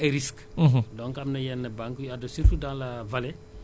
surtout nag lu jëm ci élevage ak culture pluviale bi